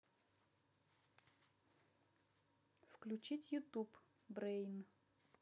включить ютуб брейн